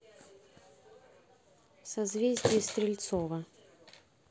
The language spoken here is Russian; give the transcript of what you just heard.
в созвездии стрельцова